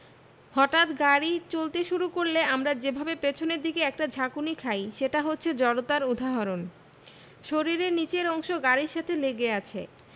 হঠাৎ গাড়ি চলতে শুরু করলে আমরা যেভাবে পেছনের দিকে একটা ঝাঁকুনি খাই সেটা হচ্ছে জড়তার উদাহরণ শরীরের নিচের অংশ গাড়ির সাথে লেগে আছে